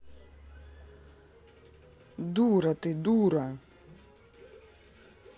дура ты дура